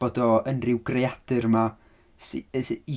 Bod o yn ryw greadur 'ma sy- i-...